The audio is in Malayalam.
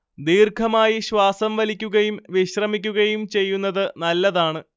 ദീർഘമായി ശ്വാസം വലിക്കുകയും വിശ്രമിക്കുകയും ചെയ്യുന്നത് നല്ലതാണ്